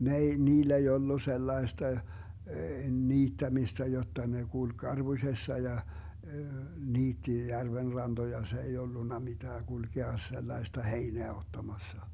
ne ei niillä ei ollut sellaista niittämistä jotta ne kulki karpusessa ja niitti järven rantoja se ei ollut mitään kulkea sellaista heinää ottamassa